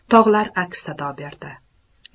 tog'lar aks sado berdi